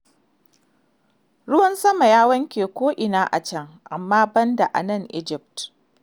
Ruwan sama ya wanke ko'ina a can, amma ban da anan Egypt.